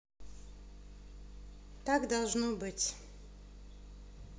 так должно быть